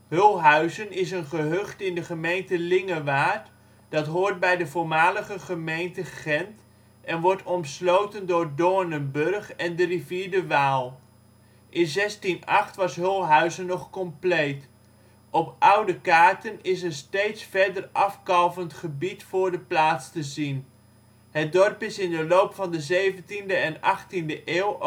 Hulhuizen is een gehucht in de gemeente Lingewaard dat hoort bij de voormalige gemeente Gendt en wordt omsloten door Doornenburg en de rivier de Waal. In 1608 was Hulhuizen nog compleet. Op oude kaarten is een steeds verder afkalvend gebied voor de plaats te zien. Het dorp is in de loop van de 17e en 18e eeuw overspoeld